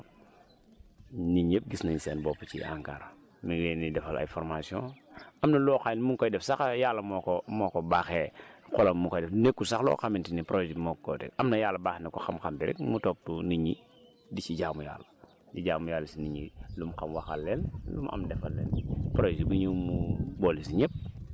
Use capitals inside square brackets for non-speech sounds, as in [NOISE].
biñ ko indee si commune Thiel bi ba léegi wax dëgg yàlla nit ñëpp gis nañ seen bopp ci [NOISE] ANCAR mi ngi leen di defal ay formations am na loo xam ne mu ngi koy def sax waaye yàlla moo ko moo ko baaxee xolam mu koy def nekkul sax loo xamante ni projet bi moo ko ko teg am na yàlla baxee na ko xam-xam bi rek mu topp nit ñi di si jaamu yàlla di jaamu yàlla si nit ñi lu mu xam waxal leen lu mu am defal leen [NOISE]